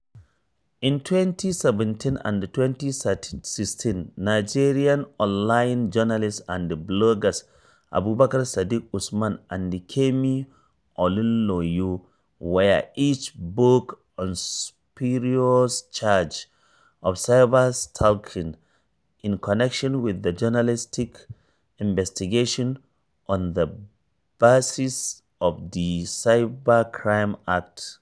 In 2017 and 2016, Nigerian online journalists and bloggers Abubakar Sidiq Usman and Kemi Olunloyo were each booked on spurious charges of cyber-stalking in connection with journalistic investigations on the basis of the Cybercrime Act.